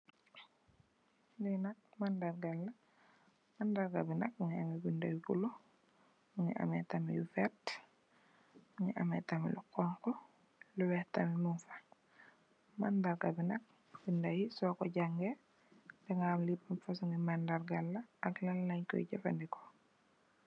Li nak mandarga la mandarga bi mongi am binda yu bulu mongi ame tam lu vert mongi ame tamit lu xonxu lu weex tamit mung fa mandarga bi nak bindai soko jangeh daga xam li ban fosongi mandarga ak lan len koi jefendeko.